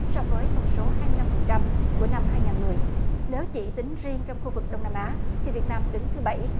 so với con số hai mươi lăm phần trăm của năm hai ngàn mười nếu chỉ tính riêng trong khu vực đông nam á thì việt nam đứng thứ bảy